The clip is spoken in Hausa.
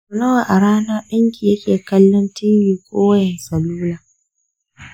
sau nawa a rana danki yake kallon tv ko wayan salula?